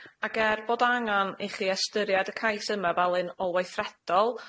ac er bod o angan i chi ystyried y cais yma fel un ôl-weithredol